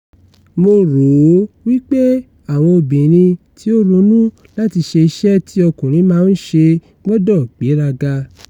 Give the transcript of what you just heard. Mo rò ó wípé àwọn obìnrin tí ó ronú láti ṣe iṣẹ́ tí ọkùnrin máa ń ṣe, gbọdọ̀ gbéraga.